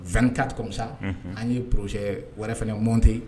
Fɛn tamisa an ye psɛ wɛrɛ fana mɔnte